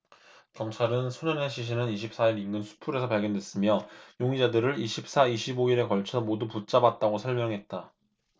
경찰은 소년의 시신은 이십 사 일 인근 수풀에서 발견됐으며 용의자들을 이십 사 이십 오 일에 걸쳐 모두 붙잡았다고 설명했다